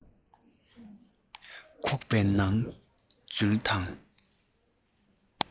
ཁོག པའི ནང འཛུལ དང